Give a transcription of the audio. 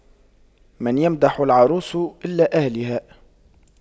من يمدح العروس إلا أهلها